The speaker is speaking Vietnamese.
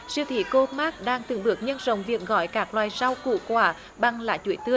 siêu thị cô ốp mắc đang từng bước nhân rộng việc gọi các loại rau củ quả bằng lá chuối tươi